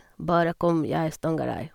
Bare kom, jeg stanger deg.